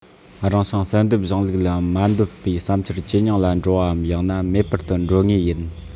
རང བྱུང བསལ འདེམས གཞུང ལུགས ལ མ འདོད པའི བསམ འཆར ཇེ ཉུང ལ འགྲོ བའམ ཡང ན མེད པར དུ འགྲོ ངེས ཡིན